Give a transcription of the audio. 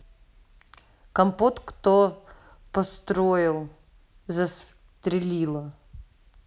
компот кто построил застрелила